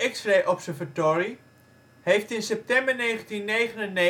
X-ray Observatory heeft in september 1999 en oktober 2000